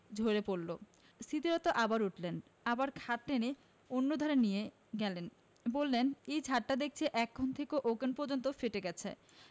ঝরে পড়ল স্মৃতিরত্ন আবার উঠলেন আবার খাট টেনে অন্যধারে নিয়ে গেলেন বললেন ইঃ ছাতটা দেখচি এ কোণ থেকে ও কোণ পর্যন্ত ফেটে গেছে